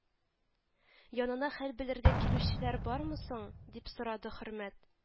— янына хәл белергә килүчеләр бармы соң? — дип сорады хөрмәт